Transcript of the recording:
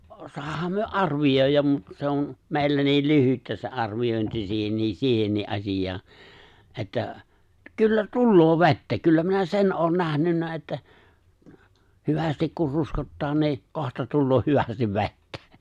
saadaan me arvioida mutta se on meillä niin lyhyttä se arviointi siihenkin siihenkin asiaan että kyllä tulee vettä kyllä minä sen olen nähnyt että hyvästi kun ruskottaa niin kohta tulee hyvästi vettä